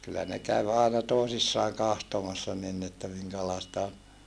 kyllä ne kävi aina toisissaan katsomassa niin niin että minkälaista on